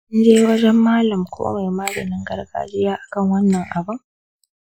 kinje wajen malam ko mai maganin garagajiya akan wannan abun?